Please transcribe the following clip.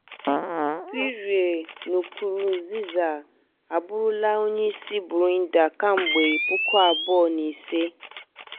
Pierre Nkurunziza abụrụla onyeisiala Burundi kemgbe 2005.